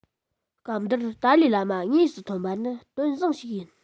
སྐབས འདིར ཏཱ ལའི བླ མ དངོས སུ ཐོན པ ནི དོན བཟང ཞིག ཡིན